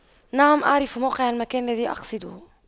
نعم اعرف موقع المكان الذي أقصده